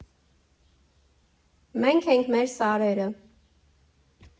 Մե՛նք ենք մեր սարերը։